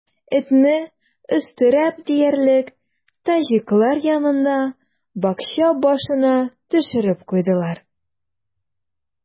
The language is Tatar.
Этне, өстерәп диярлек, таҗиклар янына, бакча башына төшереп куйдылар.